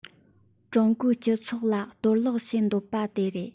ཀྲུང གོའི སྤྱི ཚོགས ལ གཏོང བརླག བྱེད འདོད པ དེ རེད